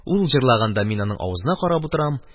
Ул җырлаганда, мин аның авызына карап утырам.